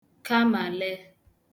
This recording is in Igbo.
kamàle